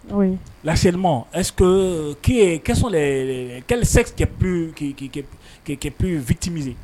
L'harcelement est-ce que qui est quelles sont les Quel sexe qui est est est plus victimisé ?